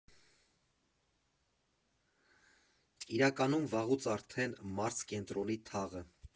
Իրականում վաղուց արդեն՝ մարզկենտրոնի թաղը։